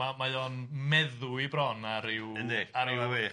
...ma' mae o'n meddwi bron ar ryw... Yndi ...ar ryw ryw wych.